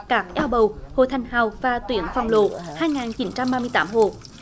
các eo bầu hộ thành hào và tuyến phòng lộ hai ngàn chín trăm ba mươi tám hộ